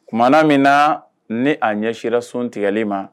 Tumaumana min na ni a ɲɛ sirara sun tigɛlen ma